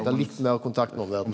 det er litt meir kontakt med omverda.